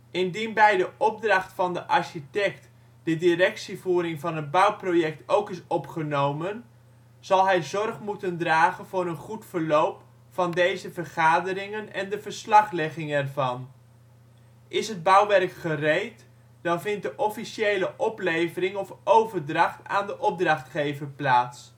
Indien bij de opdracht van de architect de directievoering van het bouwproject ook is opgenomen, zal hij zorg moeten dragen voor een goed verloop van deze vergaderingen en de verslaglegging ervan. Is het bouwwerk gereed, dan vindt de officiële oplevering of overdracht aan de opdrachtgever plaats